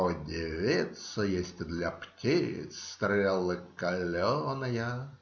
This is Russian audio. У девиц Есть для птиц Стрелы каленые.